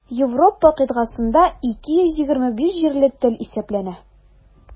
Европа кыйтгасында 225 җирле тел исәпләнә.